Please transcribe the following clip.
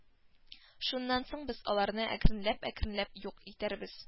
Шуннан соң без аларны әкренләп-әкренләп юк итәрбез